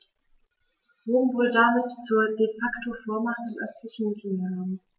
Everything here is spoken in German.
Rom wurde damit zur ‚De-Facto-Vormacht‘ im östlichen Mittelmeerraum.